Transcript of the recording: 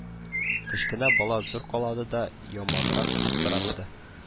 Кечкенә бала зур калада тагы яманрак аптыранды